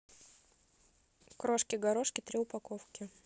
крошки горошки три упаковки